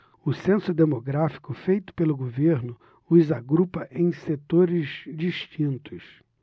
o censo demográfico feito pelo governo os agrupa em setores distintos